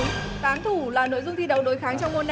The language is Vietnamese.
tán thủ là nội dung thi đấu đối kháng trong môn